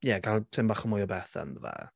Ie, cael tipyn bach o mwy o bethau ynddo fe.